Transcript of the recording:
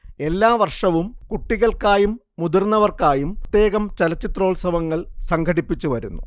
എല്ലാ വർഷവും കുട്ടികൾക്കായും മുതിർന്നവർക്കായും പ്രത്യേകം ചലച്ചിത്രോത്സവങ്ങൾ സംഘടിപ്പിച്ചുവരുന്നു